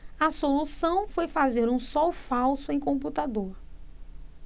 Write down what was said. a solução foi fazer um sol falso em computador